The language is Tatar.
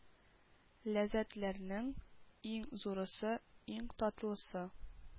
Ләззәтләрнең иң зурысы иң татлысы